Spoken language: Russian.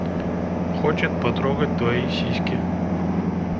хочет потрогать твои сиськи